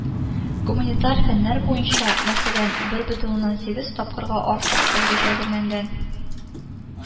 Гуманитар фәннәр буенча, мәсәлән, бер бөтен уннан сигез тапкырга артык белгеч әзерләнгән